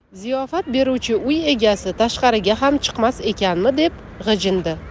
ziyofat beruvchi uy egasi tashqariga ham chiqmas ekanmi deb g'ijindi